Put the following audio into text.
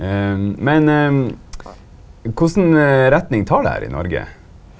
men kva retning tar det her i Noreg?